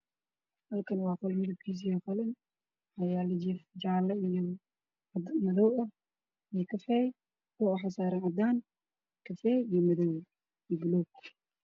Halkan waa qol maykiisu yahay jaalo waxaan yeelo kafee cadaan qaraxa saaran